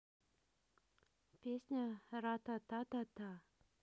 песня ратататата